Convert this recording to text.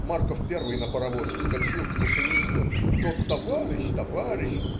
Марков первый на паровоз вскочил - к машинисту. Тот: товарищ, товарищ!